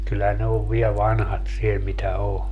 kyllä ne on vielä vanhat siellä mitä on